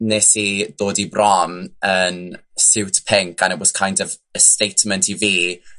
nes i ddod i bron yn siwt pink and it was kind of a statement i fi